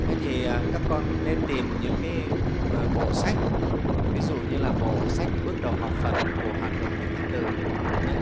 thế thì các con nên tìm những bộ sách ví dụ như là bộ sách bước đầu học phật của hòa thượng thích thanh từ